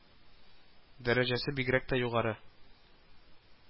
Дәрәҗәсе бигрәк тә югары